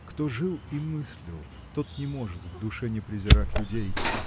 Кто жил и мыслил, тот не может в душе не презирать людей .